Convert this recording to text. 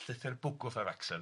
Llythyr bwgwth ar Facsen.